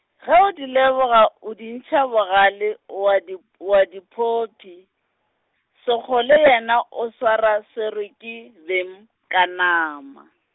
ge o di leboga o di ntšha go bogale, o a di, o a di phophi, Sekgole yena o swarwaswerwe ke beng, ka nama.